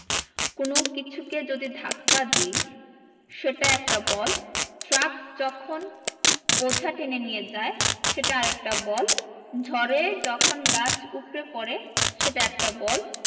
কোনো কিছুকে যদি ধাক্কা দিই সেটা একটা বল ট্রাক যখন বোঝা টেনে নিয়ে যায় সেটা আরেকটা বল ঝড়ে যখন গাছ উপড়ে পড়ে সেটা একটা বল